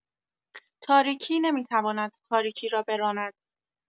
تاریکی نمی‌تواند تاریکی را براند